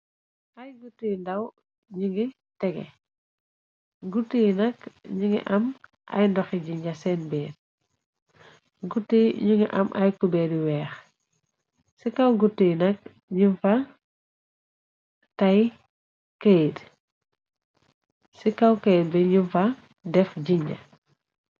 Ay guttu yi ndaw ni ngi tege guttu yi nak ñu ngi am ay ndoxi jinja seen beer guti ñu ngi am ay kubeeri weex ci kaw gut yi nak ñum fa tay kayt ci kaw kayd bi num fa def jinja.